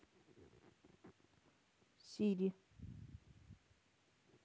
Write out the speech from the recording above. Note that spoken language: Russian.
сири